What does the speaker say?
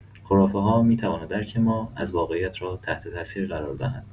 خرافه‌ها می‌توانند درک ما از واقعیت را تحت‌تاثیر قرار دهند.